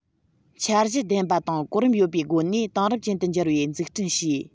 འཆར གཞི ལྡན པ དང གོ རིམ ཡོད པའི སྒོ ནས དེང རབས ཅན དུ འགྱུར བའི འཛུགས སྐྲུན བྱས